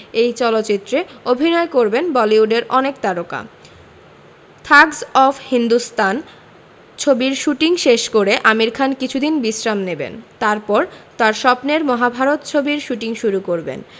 এই চলচ্চিত্রে অভিনয় করবেন বলিউডের অনেক তারকা থাগস অব হিন্দুস্তান ছবির শুটিং শেষ করে আমির খান কিছুদিন বিশ্রাম নেবেন তারপর তাঁর স্বপ্নের মহাভারত ছবির শুটিং শুরু করবেন